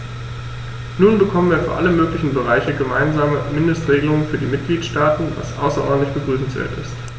Nun bekommen wir für alle möglichen Bereiche gemeinsame Mindestregelungen für die Mitgliedstaaten, was außerordentlich begrüßenswert ist.